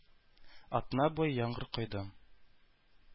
Атна буе яңгыр койды.